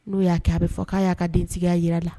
N'o y'a kɛ a bɛ fɔ k'a y'a ka denya jira la